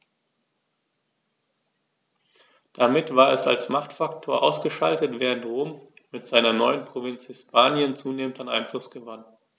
Damit war es als Machtfaktor ausgeschaltet, während Rom mit seiner neuen Provinz Hispanien zunehmend an Einfluss gewann.